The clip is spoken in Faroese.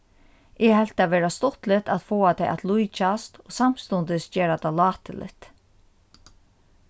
eg helt tað vera stuttligt at fáa tað at líkjast og samstundis gera tað láturligt